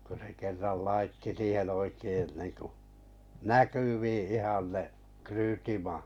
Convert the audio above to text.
kun se kerran laittoi siihen oikein niin kuin näkyviin ihan ne -